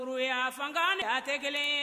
Urunya fan a tɛ kelen